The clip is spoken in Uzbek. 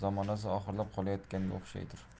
zamonasi oxirlab qolayotganga o'xshaydir